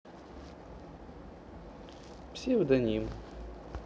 псевдоним